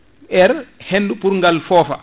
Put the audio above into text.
air hendu pour ngal foofa